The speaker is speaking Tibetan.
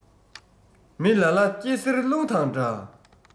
མི ལ ལ སྐྱི བསེར རླུང དང འདྲ